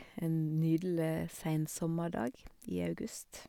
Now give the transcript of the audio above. En nydelig seinsommerdag i august.